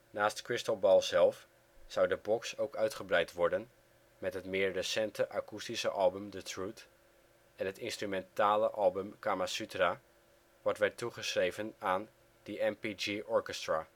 Naast Crystal Ball zelf zou de box ook uitgebreid worden met het meer recente akoestische album The Truth en het instrumentale album Kamasutra wat werd toegeschreven aan The NPG Orchestra